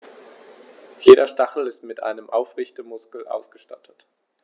Jeder Stachel ist mit einem Aufrichtemuskel ausgestattet.